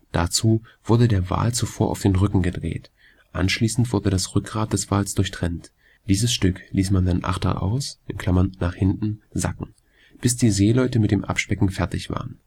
Dazu wurde der Wal zuvor auf den Rücken gedreht. Anschließend wurde das Rückgrat des Wales durchtrennt. Dieses Stück ließ man dann achteraus (nach hinten) sacken, bis die Seeleute mit dem Abspecken fertig waren